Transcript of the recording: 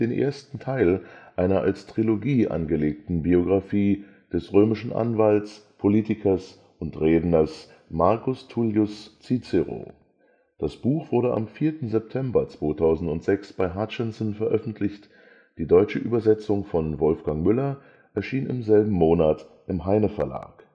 ersten Teil einer als Trilogie angelegten Biographie des römischen Anwaltes, Politikers und Redners Marcus Tullius Cicero. Das Buch wurde am 4. September 2006 bei Hutchinson veröffentlicht, die deutsche Übersetzung von Wolfgang Müller erschien im selben Monat im Heyne-Verlag